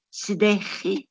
Sut 'dech chi?